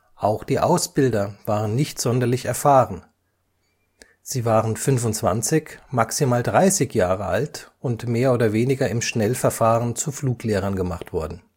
Auch die Ausbilder waren nicht sonderlich erfahren – sie waren 25, maximal 30 Jahre alt und mehr oder weniger im Schnellverfahren zu Fluglehrern gemacht worden